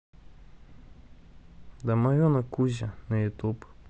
домовенок кузя на ютуб